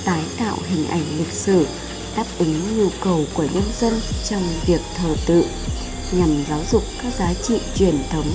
tái tạo hình ảnh lịch sử đáp ứng nhu cầu của nhân dân trong việc thờ tự nhằm giáo dục các giá trị truyền thống